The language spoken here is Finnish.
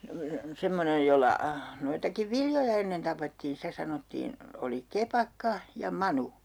semmoinen jolla noitakin viljoja ennen tapettiin sitä sanottiin oli kepakka ja manu